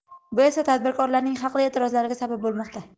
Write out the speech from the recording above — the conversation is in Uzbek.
bu esa tadbirkorlarning haqli e'tirozlariga sabab bo'lmoqda